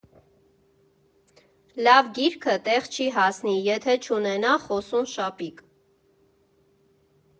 Լավ գիրքը տեղ չի հասնի, եթե չունենա խոսուն շապիկ։